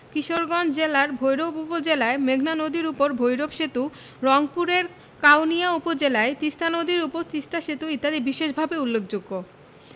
কিশোরগঞ্জ জেলার ভৈরব উপজেলায় মেঘনা নদীর উপর ভৈরব সেতু রংপুরের কাউনিয়া উপজেলায় তিস্তা নদীর উপর তিস্তা সেতু ইত্যাদি বিশেষভাবে উল্লেখযোগ্য